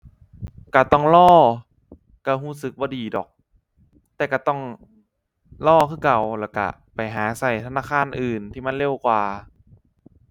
ก็ต้องรอ ก็ก็สึกบ่ดีดอก แต่ก็ต้องรอคือเก่า แล้วก็ไปหาก็ธนาคารอื่นที่มันเร็วกว่า